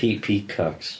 Pi- peacocks.